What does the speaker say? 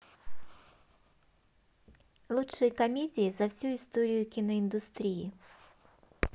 лучшие комедии за всю историю киноиндустрии